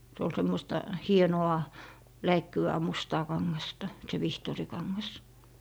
se oli semmoista hienoa läikkyvää mustaa kangasta se vihtorikangas